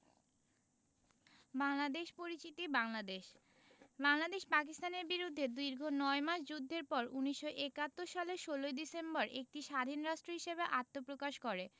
বাংলাদেশ পরিচিতি বাংলাদেশ বাংলাদেশ পাকিস্তানের বিরুদ্ধে দীর্ঘ নয় মাস যুদ্ধের পর ১৯৭১ সালের ১৬ ডিসেম্বর একটি স্বাধীন রাষ্ট্র হিসেবে আত্মপ্রকাশ করে